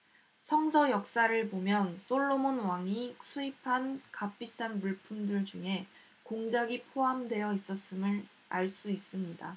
성서 역사를 보면 솔로몬 왕이 수입한 값비싼 물품들 중에 공작이 포함되어 있었음을 알 수 있습니다